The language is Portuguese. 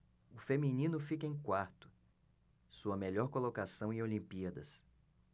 o feminino fica em quarto sua melhor colocação em olimpíadas